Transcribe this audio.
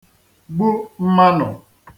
gbu mmanụ̀